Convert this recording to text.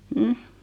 mm